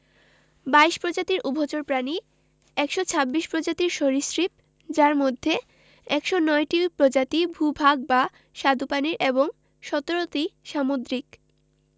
২২ প্রজাতির উভচর প্রাণী ১২৬ প্রজাতির সরীসৃপ যার মধ্যে ১০৯টি প্রজাতি ভূ ভাগ বা স্বাদুপানির এবং ১৭টি সামুদ্রিক